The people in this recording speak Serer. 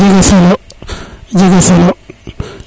a jega sol a jega solo